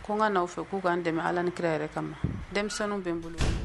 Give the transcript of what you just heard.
Ko n ka n'aw fɛ k'u ka' dɛmɛ ala ni kira yɛrɛ ka denmisɛnninw bɛ n bolo